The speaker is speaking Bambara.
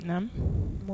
Naamu